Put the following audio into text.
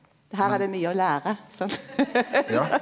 her er det mykje å lære sant .